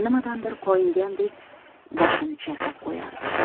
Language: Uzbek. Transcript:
nimadandir koyingandek boshini chayqab qo'yardi